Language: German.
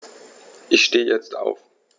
Ich stehe jetzt auf.